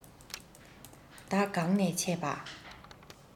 བདག གང ནས ཆས པ